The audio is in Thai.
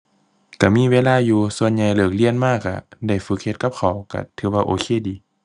ก็มีเวลาอยู่ ส่วนใหญ่เลิกเรียนมาก็ได้ฝึกเฮ็ดกับข้าวก็ถือว่าโอเคดี